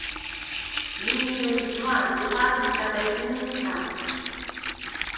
mini dayz два где фармить как альпиниста